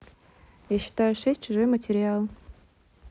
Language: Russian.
я считаю шесть чужой материал